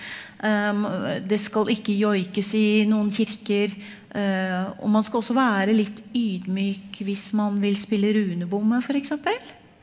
det skal ikke joikes i noen kirker, og man skal også være litt ydmyk hvis man vil spille runebomme for eksempel.